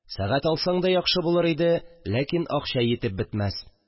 Сәгать алсаң да яхшы булыр иде, ләкин акча җитеп бетмәс